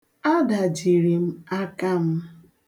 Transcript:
Adajiri m aka m.